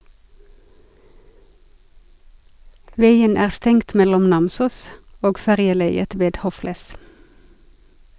- Veien er stengt mellom Namsos og ferjeleiet ved Hofles.